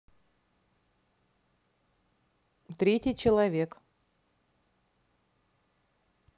третий человек